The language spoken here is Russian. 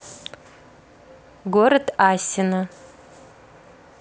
город асино